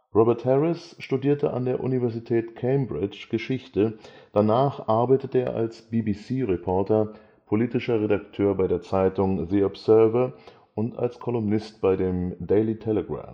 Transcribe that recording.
Robert Harris studierte an der Universität Cambridge Geschichte. Danach arbeitete er als BBC-Reporter, politischer Redakteur bei der Zeitung The Observer und als Kolumnist bei dem " Daily Telegraph